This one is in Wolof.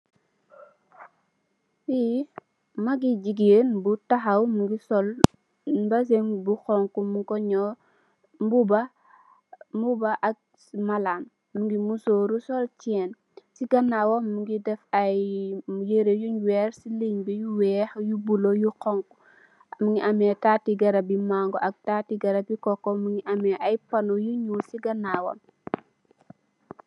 Fi mage bu gigen mungi sol mbsen bu xonxu mung ko jawe mbuba ak malan mungi musoru sol tien ci ganawam mungi def aye yare youn wer ci line bi yu bula yu xonxu yu ci ganawam mugi am ay tati garab yu mango yu coco ci ganawam mugi ame ay pano yu njul